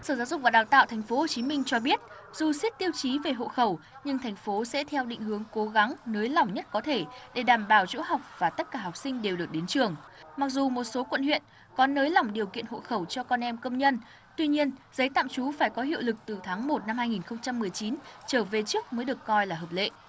sở giáo dục và đào tạo thành phố hồ chí minh cho biết dù xét tiêu chí về hộ khẩu nhưng thành phố sẽ theo định hướng cố gắng nới lỏng nhất có thể để đảm bảo chỗ học và tất cả học sinh đều được đến trường mặc dù một số quận huyện có nới lỏng điều kiện hộ khẩu cho con em công nhân tuy nhiên giấy tạm trú phải có hiệu lực từ tháng một năm hai nghìn không trăm mười chín trở về trước mới được coi là hợp lệ